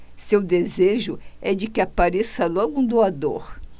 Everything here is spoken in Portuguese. seu desejo é de que apareça logo um doador